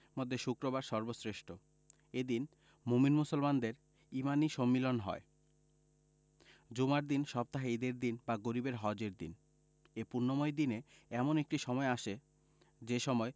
মধ্যে শুক্রবার সর্বশ্রেষ্ঠ এদিন মোমিন মুসলমানদের ইমানি সম্মিলন হয় জুমার দিন সপ্তাহের ঈদের দিন বা গরিবের হজের দিন এ পুণ্যময় দিনে এমন একটি সময় আছে যে সময়